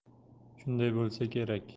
shunday bo'lsa kerak